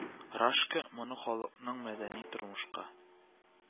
Рашка, моны халыкның мәдәни тормышка